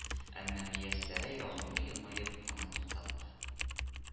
Әмма мияссәрә ягымлы елмаеп аны туктатты: